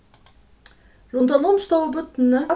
rundanum stóðu børnini